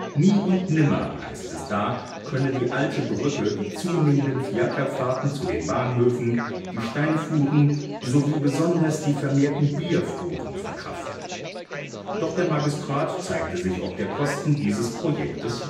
Nie und Nimmer, heißt es da, könne die Alte Brücke die zunehmenden Fiakerfahrten zu den Bahnhöfen, die Steinfuhren, sowie besonders die vermehrten Bierfuhren verkraften. Doch der Magistrat zeigte sich ob der Kosten dieses Projektes